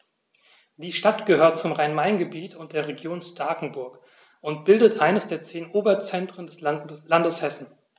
Die Stadt gehört zum Rhein-Main-Gebiet und der Region Starkenburg und bildet eines der zehn Oberzentren des Landes Hessen.